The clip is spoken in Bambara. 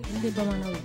I tɛ bamananw ye